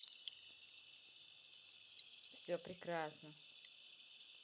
все прекрасно